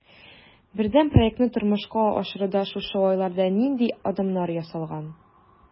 Бердәм проектны тормышка ашыруда шушы айларда нинди адымнар ясалган?